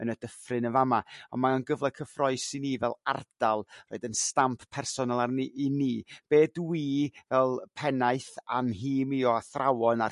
yn y dyffryn yn fama ond mae o'n gyfle cyffrous i ni fel ardal roid 'yn stamp personol arni i ni be dwi fel pennaeth a'n nhîm i o athrawon a